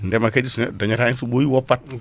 ndeema kaadi so nedɗo dañata hen so ɓoyi woppat